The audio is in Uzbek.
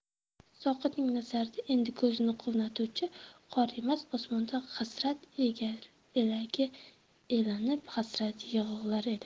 zohidning nazarida endi ko'zni quvnatuvchi qor emas osmonda hasrat elagi elanib hasrat yog'ilar edi